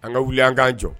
An ka wuli an' jɔ